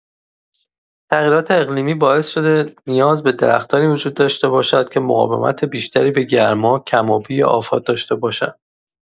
تغییرات اقلیمی باعث شده نیاز به درختانی وجود داشته باشد که مقاومت بیشتری به گرما، کم‌آبی یا آفات داشته باشند.